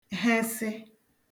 hẹsị